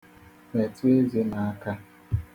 Metụ eze m aka.